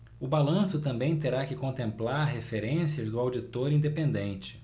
o balanço também terá que contemplar referências do auditor independente